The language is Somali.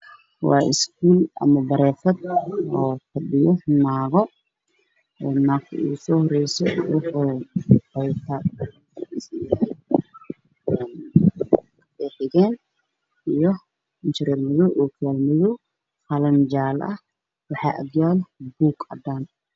Waa iskuul ama bareefad waxaa fadhiyo naago. Naagta ugu soohoreyso waxay wadataa xijaab buluug xegeen, indho shareer madow iyo ookiyaalo madow ah, qalin jaale ah waxaa agyaalo buug cadaan ah.